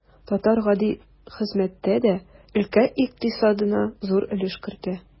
Татар гади хезмәттә дә өлкә икътисадына зур өлеш кертә.